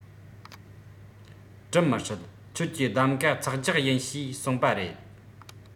སྒྲུབ མི སྲིད ཁྱོད ཀྱིས གདམ ག འཚག རྒྱག ཡིན ཞེས གསུངས པ རེད